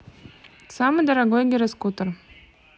самый дорогой гироскутер